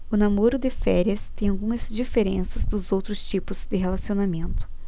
o namoro de férias tem algumas diferenças dos outros tipos de relacionamento